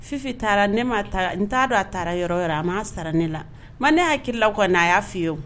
Fi taara ne ma n t'a dɔn a taara yɔrɔ yɔrɔ a ma sara ne la ma ne y'a kila ka'a a y'a fɔi ye